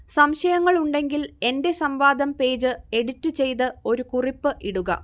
സംശയങ്ങൾ ഉണ്ടെങ്കിൽ എന്റെ സംവാദം പേജ് എഡിറ്റ് ചെയ്ത് ഒരു കുറിപ്പ് ഇടുക